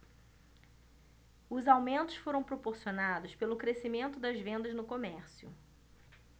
os aumentos foram proporcionados pelo crescimento das vendas no comércio